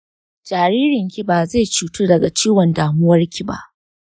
jaririnki ba zai cutu daga ciwon damuwarki ba.